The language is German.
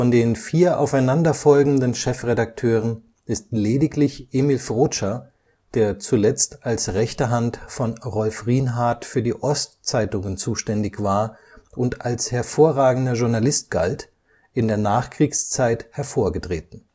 den vier aufeinander folgenden Chefredakteuren ist lediglich Emil Frotscher, der zuletzt als rechte Hand von Rolf Rienhardt für die Ostzeitungen zuständig war und als hervorragender Journalist galt, in der Nachkriegszeit hervorgetreten